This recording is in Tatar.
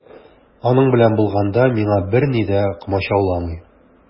Аның белән булганда миңа берни дә комачауламый.